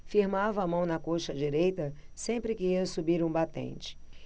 firmava a mão na coxa direita sempre que ia subir um batente